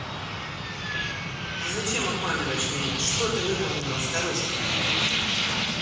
ты зачем обманываешь меня что ты выполнила старушка